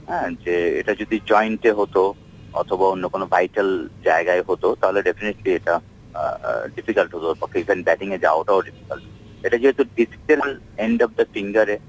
যে এটা যদি জয়েন্ট এ হত অথবা অন্য কোন ভাইটাল জায়গায় হতো তাহলে ডেফিনিটলি এটা ডিফিকাল্ট হত এর পক্ষে ইভেন এটা নিয়ে বেটিং এ যাওয়াটাও ডিফিকাল্ট হত এটা যেহেতু ডিজেবল এন্ড অফ দা ফিঙ্গারে